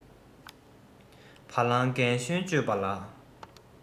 བ ལང རྒན གཞོན དཔྱོད པ ལ